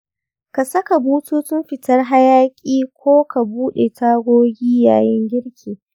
ka saka bututun fitar hayaƙi ko ka buɗe tagogi yayin girki.